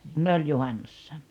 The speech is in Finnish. ne oli juhannuksena